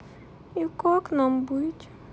и как нам быть